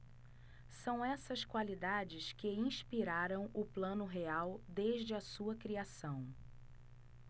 são essas qualidades que inspiraram o plano real desde a sua criação